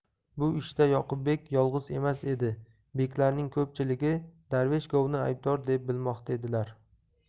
bu ishda yoqubbek yolg'iz emas edi beklarning ko'pchiligi darvesh govni aybdor deb bilmoqda edilar